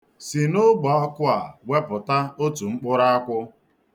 Si n'ogbeakwụ a wepụta otu mkpụrụ akwụ.